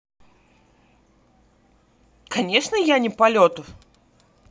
конечно я не полетов